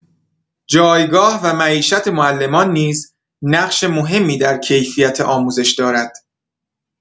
جایگاه و معیشت معلمان نیز نقش مهمی در کیفیت آموزش دارد.